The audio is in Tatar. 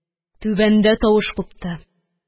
Түбәндә тавыш купты